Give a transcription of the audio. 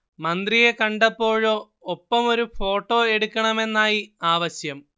മന്ത്രിയെ കണ്ടപ്പോഴോ ഒപ്പമൊരു ഫോട്ടോ എടുക്കണമെന്നായി ആവശ്യം